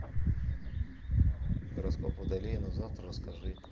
гороскоп водолея на завтра расскажи